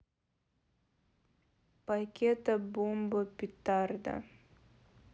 пакето бомба петарда